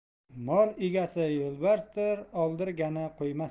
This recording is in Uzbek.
mol egasi yo'lbarsdir oldirgani qo'ymasdir